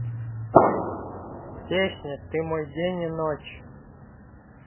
песня ты мой день и ночь